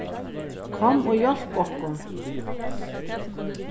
kom og hjálp okkum